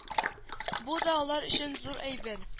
Бу да алар өчен зур әйбер